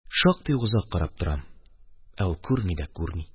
Шактый ук озак карап торам, ә ул күрми дә күрми.